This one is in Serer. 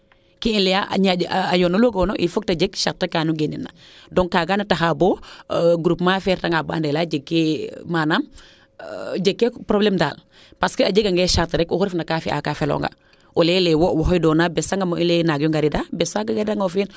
keene i leya a ñaaƴo lu ga'oona il faut te jeg charte kaa nu ngenin na donc kaaga na taxa boo groupement fee reta nga ba ande jeg kee manaam jeg ke probleme daal parce que a jega nge charte rek oxu refna ka fiya ka feluuna o leyeele wo waxey doona bes sangam bo i leyele naang yo ngariida bes faaga gariida nga o fiya